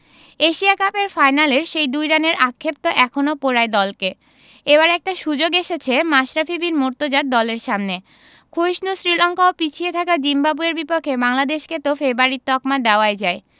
Asia কাপের ফাইনালের সেই ২ রানের আক্ষেপ তো এখনো পোড়ায় দলকে এবার একটা সুযোগ এসেছে মাশরাফি বিন মুর্তজার দলের সামনে ক্ষয়িষ্ণু শ্রীলঙ্কা ও পিছিয়ে থাকা জিম্বাবুয়ের বিপক্ষে বাংলাদেশকে তো ফেবারিট তকমা দেওয়াই যায়